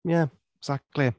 Ie. Exactly.